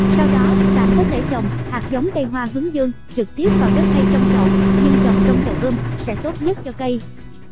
sau đó bạn có thể trồng hạt giống cây hoa hướng dương trực tiếp vào đất hay trong chậu nhưng trồng trong chậu ươm sẽ tốt nhất cho cây